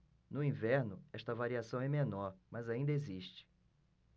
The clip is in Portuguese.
no inverno esta variação é menor mas ainda existe